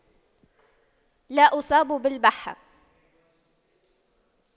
لا اصاب بالبحة